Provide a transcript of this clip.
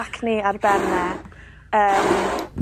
acne ar ben e, yym